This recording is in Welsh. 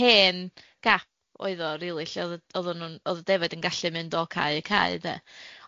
hen gap oedd o rili lle o'dd y oddan nw'n o'dd y defaid yn gallu mynd o cae i cae 'de.